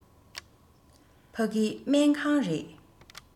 ཕ གི སྨན ཁང རེད